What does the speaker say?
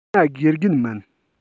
ང དགེ རྒན མིན